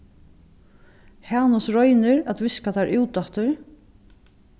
hanus roynir at viska tær út aftur